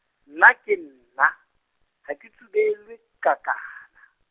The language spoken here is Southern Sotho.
nna ke nna, ha ke tsubelwe, kakana.